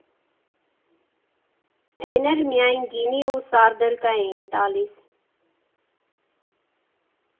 Էն էլ միայն գինի ու սարդելկա էին տալիս։